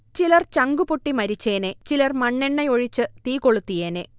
ചിലർ ചങ്കുപൊട്ടി മരിച്ചേനെ, ചിലർ മണ്ണെണ്ണയൊഴിച്ച് തീ കൊളുത്തിയേനെ